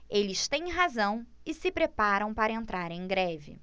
eles têm razão e se preparam para entrar em greve